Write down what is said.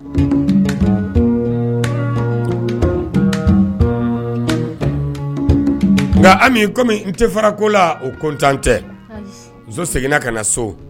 Nka ami kɔmi n tɛ farako la o kotan tɛ muso seginna ka na so